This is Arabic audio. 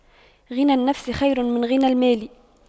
غنى النفس خير من غنى المال